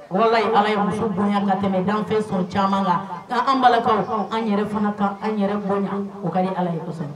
Yɔrɔ la ye ala ye muso bonya ka tɛmɛ dan fɛn sɔn caaman la nka an balakaw an yɛrɛ fana ka an yɛrɛ bonya, o ka di Ala ye, kosɛbɛ.